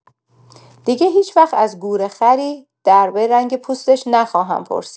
دیگر هیچوقت از گورخری، دربارۀ رنگ پوستش نخواهم پرسید!